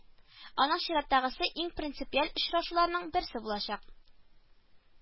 Аның чираттагысы иң принципиаль очрашуларның берсе булачак